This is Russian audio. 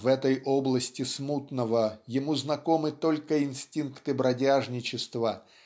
В этой области смутного ему знакомы только инстинкты бродяжничества